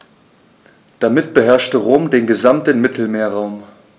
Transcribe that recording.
Damit beherrschte Rom den gesamten Mittelmeerraum.